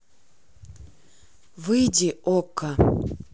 выйди окко